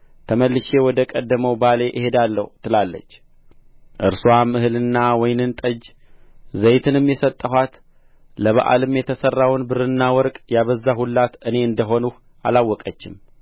ተመልሼ ወደ ቀደመው ባሌ እሄዳለሁ ትላለች እርስዋም እህልንና ወይንን ጠጅ ዘይትንም የሰጠኋት ለበኣልም የተሠራውን ብርና ወርቅ ያበዛሁላት እኔ እንደ ሆንሁ አላወቀችም